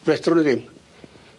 Fedrwn ni ddim.